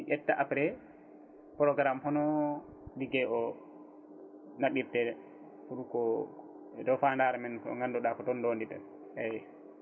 ɓe ƴetta aprés programme hono ligguey o naɓirte pour ko e dow fandare men ko ganduɗa ko toon dondi ɗen eyyi